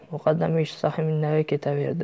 muqaddam eshitsa ham indamay ketaverdi